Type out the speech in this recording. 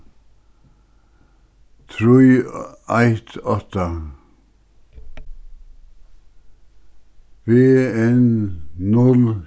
trý eitt átta b n null